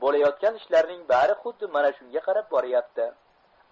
bo'layotgan ishlarning bari xuddi mana shunga qarab boryapti